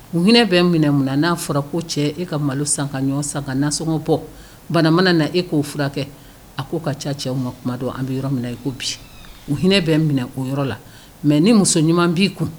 U hinɛ bɛ minɛ mun n'a fɔra ko cɛ e ka malo san, ka ɲɔgɔn san, ka nasɔngɔ bɔ, bana mana na e k'o furakɛ kɛ, a ko ka ca cɛw ma tuma dɔ an bɛ yɔrɔ min na i ko bi. U hinɛ bɛ minɛ o yɔrɔ la mais ni muso ɲuman b'i kun